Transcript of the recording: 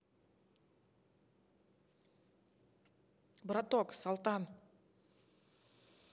браток салтан